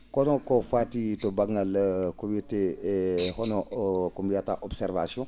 kono ko faati to ba?ngal ko wiyetee hono o ko mbiyataa observation